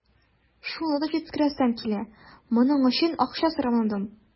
Шуны да җиткерәсем килә: моның өчен акча сорамадым.